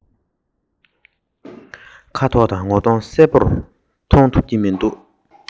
ཁ དོག དང ངོ གདོང གསལ པོར མཐོང ཐུབ ཀྱི མི འདུག